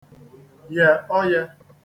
yẹ ọyẹ